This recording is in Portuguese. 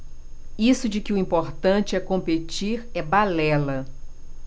isso de que o importante é competir é balela